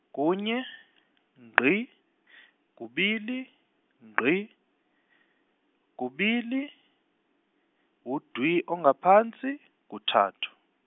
kunye , ngqi kubili ngqi kubili, udwi ongaphansi kuthathu.